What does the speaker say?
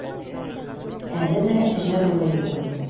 Әле дә җырлый ул.